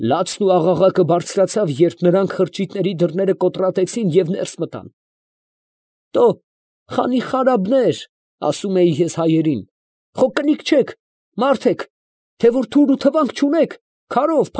Լացն ու աղաղակը բարձրացավ, երբ նրանք խրճիթների դռները կոտրատեցին և ներս մտան։ «Տո՛, խանիխարաբնե՛ր, ասում էի ես հայերին, խո կնիկ չեք, մարդ եք, թե որ թուր ու թվանք չունեք, քարով,